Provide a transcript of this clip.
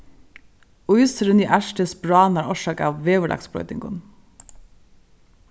ísurin í arktis bráðnar orsakað av veðurlagsbroytingum